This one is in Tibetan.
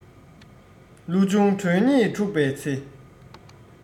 བློ ཆུང གྲོས ཉེས འཁྲུགས པའི ཚེ